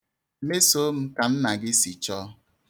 Mesoo m ka nna gị si chọọ.